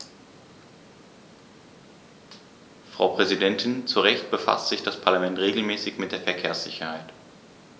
Frau Präsidentin, zu Recht befasst sich das Parlament regelmäßig mit der Verkehrssicherheit.